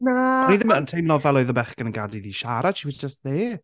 Na... O'n i ddim yn teimlo fel oedd y bechgyn yn gadael iddi siarad. She was just there.